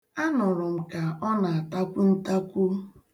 A nụrụ m ka ọ na-atakwu ntakwu n'ụtụtụ.